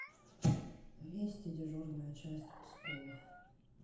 вести дежурная часть псков